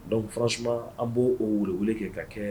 Dɔnkuc fara suma an b' oo weleele kɛ ka kɛ